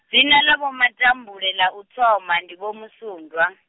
dzina ḽa Vho Matambule ḽa u thoma ndi Vho Musundwa.